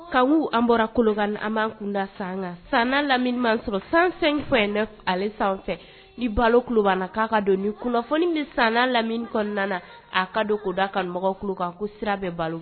Ka an bɔra kolokan an'an kunda san kan san lamini ma sɔrɔ san ale sanfɛ ni balo kuba k'a ka don ni kunnafoni bɛ san lamini kɔnɔna na a ka don koda kan mɔgɔw kan ko sira bɛ balo